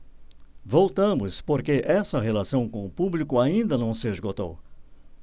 voltamos porque essa relação com o público ainda não se esgotou